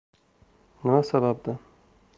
nima sababdan